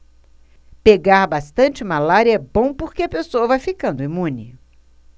pegar bastante malária é bom porque a pessoa vai ficando imune